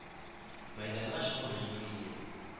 Мәйданга чыгу мәҗбүри иде